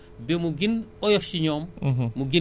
bu baax a baax pour que mu gën oyof ci yéen